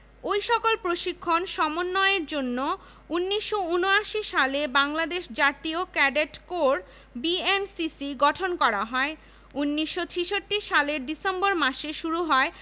auditorium ২০০ আসন বিশিষ্ট একটি সেমিনার কক্ষ এবং লাল সবুজ এবং নীল তিনটি লবি এ ভবনেরই নিচের তলায় ঢাকা ইউনিভার্সিটি এলামনাই এসোসিয়েশন অবস্থিত